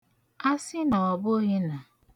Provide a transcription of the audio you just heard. asị n'ọ̀bụghị̄ nà